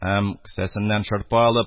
Һәм, кесәсеннән шырпы алып,